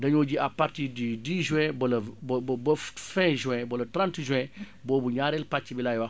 dañoo ji à partir du 10 juin ba le ba ba ba fin juin ba le 30 juin boobu ñaareel pàcc bi laay wax